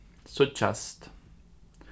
síggjast